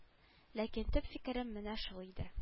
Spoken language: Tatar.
Ләкин төп фикерем менә шул иде